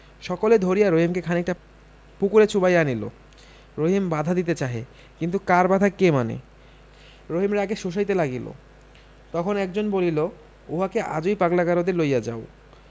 সকলে ধরিয়া রহিমকে খনিকটা পুকুরে চুবাইয়া আনিল রহিম বাধা দিতে চাহে কিন্তু কার বাধা কে মানে রহিম রাগে শোষাইতে লাগিল তখন একজন বলিল উহাকে আজই পাগলা গারদে লইয়া যাও